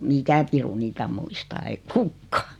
mikä piru niitä muistaa ei kukaan